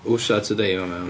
WSA Today ma' mewn.